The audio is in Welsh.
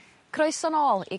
Croeso nôl i...